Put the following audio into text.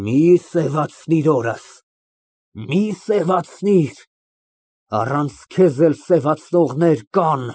Մի սևացնի օրս, մի սևացնիր, առանց քեզ էլ սևացնողներ կան։